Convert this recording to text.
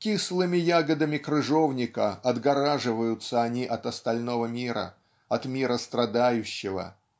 кислыми ягодами крыжовника отгораживаются они от остального мира от мира страдающего